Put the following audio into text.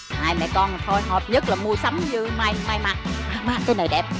hai mẹ con thôi hợp nhất là mua sắm như may may mặc má cái này đẹp